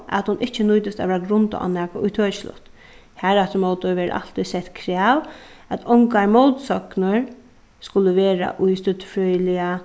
at hon ikki nýtist at verða grundað á nakað ítøkiligt harafturímóti verður altíð sett krav at ongar mótsøgnir skulu vera í støddfrøðiliga